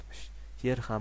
yer ham